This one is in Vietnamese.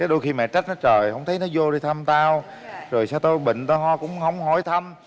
cái đôi khi mẹ trách trời hông thấy nó dô đi thăm tao rồi sao tao bệnh tao ho nó cũng hông hỏi thăm